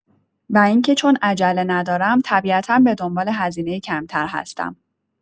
و اینکه چون عجله ندارم طبیعتا به دنبال هزینه کمتر هستم.